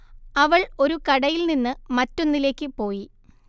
അവൾ ഒരു കടയിൽ നിന്ന് മറ്റൊന്നിലേക്ക് പോയി